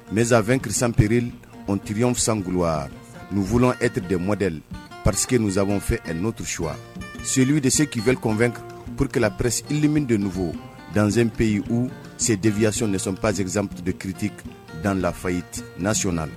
Mɛz2prispel ty sankuruwa nunu etd mɔd pristee ninnusaban fɛ n'o tu suwa soyiw de se k kiip kɔn2 pur-pla prespli min de fɔ zp peeyi u sendvyasi de nisɔn pazesizpte kiiriti danfayi nason na la